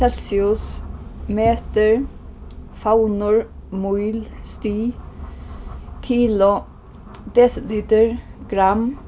celsius metur favnur míl stig kilo desilitur gramm